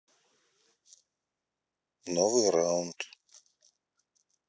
новый раунд